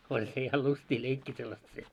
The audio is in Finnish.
oli se ja lystiä leikkiä sellaista se